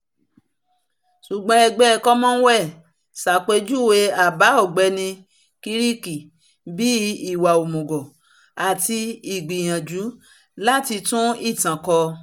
Ṣùgbọ́n Ẹgbẹ́ Cromwell ṣàpèjúwe àbà Ọ̀gbẹ́ni Crick bíi ''ìwà òmùgọ̀'' àti ''ìgbìyànjú láti tún ìtàn kọ.''